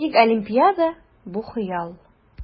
Тик Олимпиада - бу хыял!